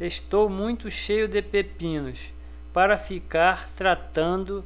estou muito cheio de pepinos para ficar tratando